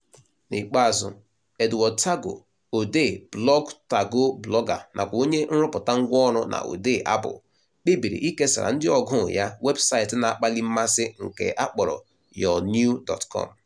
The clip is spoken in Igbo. N'ikpeazụ, Edward Tagoe, odee blọọgụ Tagoe Blogger nakwa onye nrụpụta ngwanrọ-na-odee abụ, kpebiri ikesara ndị ọgụụ ya webụsaịtị na-akpalị mmasị nke a kpọrọ YOURENEW.COM.